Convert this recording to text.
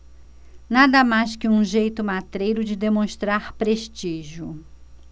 nada mais que um jeito matreiro de demonstrar prestígio